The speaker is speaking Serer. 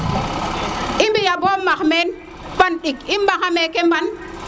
i mbiya bo max meen pan ndink i mbaxa meke mban